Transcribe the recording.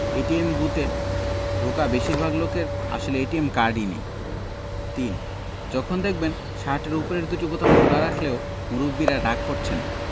ATM বুথে ঢোকা বেশির ভাগ লোকের আসলে এটিএম কার্ডই নেই ৩. যখন দেখবেন শার্টের ওপরের দুটি বোতাম খোলা রাখলেও মুরব্বিরা রাগ করছেন না